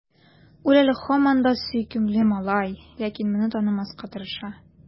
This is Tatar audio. Ул әле һаман да сөйкемле малай, ләкин моны танымаска тырыша.